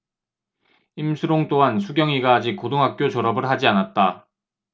임슬옹 또한 수경이가 아직 고등학교 졸업을 하지 않았다